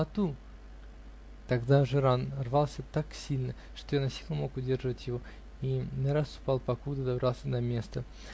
ату!" Тогда Жиран рвался так сильно, что я насилу мог удерживать его и не раз упал, покуда добрался до места.